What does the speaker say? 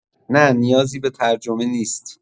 نه نیازی به ترجمه نیست